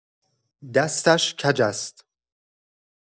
دستش کج است